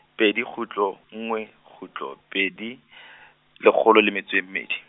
pedi kgutlo, nngwe kgutlo, pedi , lekgolo le metso e mmedi.